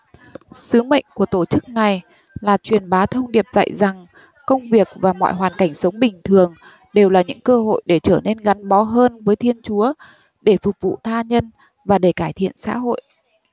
sứ mệnh của tổ chức này là truyền bá thông điệp dạy rằng công việc và mọi hoàn cảnh sống bình thường đều là những cơ hội để trở nên gắn bó hơn với thiên chúa để phục vụ tha nhân và để cải thiện xã hội